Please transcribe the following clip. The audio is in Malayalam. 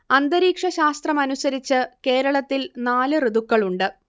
അന്തരീക്ഷ ശാസ്ത്രമനുസരിച്ച് കേരളത്തിൽ നാല് ഋതുക്കളുണ്ട്